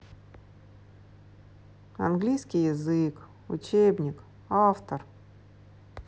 английский язык учебник автор